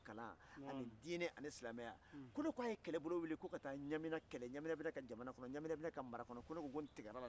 ne ye n fa ye ne fa kɔrɔbayara n ɲɛna ne fa balikuyala n ɲɛna i makila dɛ ni ma i fa lamɛn i ma fosikɛ